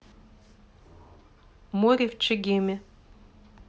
море в чегеме